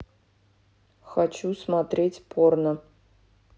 хочу посмотреть порно